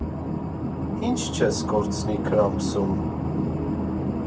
Ի՞նչ չես կորցնի Քրամբսում։